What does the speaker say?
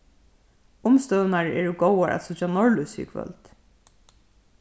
umstøðurnar eru góðar at síggja norðlýsið í kvøld